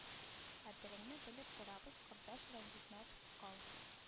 Кадереңне белеп торабыз кордаш рәнҗетмәбез кал